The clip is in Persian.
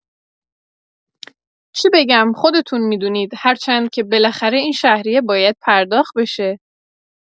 چی بگم خودتون می‌دونید هرچند که بلاخره این شهریه باید پرداخت بشه